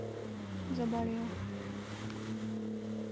заболел